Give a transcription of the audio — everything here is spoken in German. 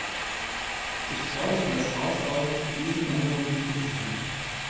Ich fordere das Haus auf, diesen Änderungen zuzustimmen.